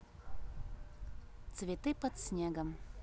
цветы под снегом